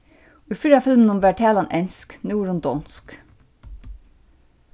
í fyrra filminum var talan ensk og nú er hon donsk